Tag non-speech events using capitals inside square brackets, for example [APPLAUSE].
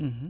[HESITATION] [HESITATION]